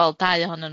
Wel dau ohonyn nw.